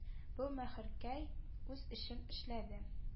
Бу мөһеркәй үз эшен эшләде